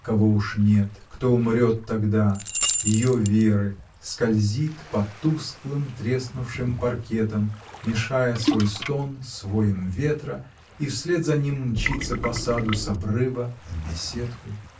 кого уж нет, кто умрет тогда, ее Веры — скользит по тусклым, треснувшим паркетам, мешая свой стон с воем ветра, и вслед за ним мчится по саду, с обрыва в беседку.